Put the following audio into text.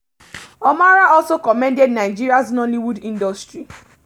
Omarah also commended Nigeria's Nollywood industry.